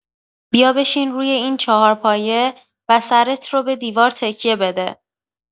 بیا بشین روی این چهارپایه و سرت رو به دیوار تکیه بده.